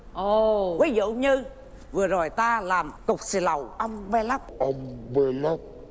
ồ ví dụ như vừa rồi ta làm cục sì lầu ông bê lắc ông bê lắc